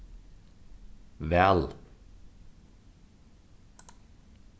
væl